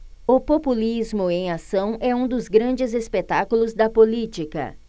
o populismo em ação é um dos grandes espetáculos da política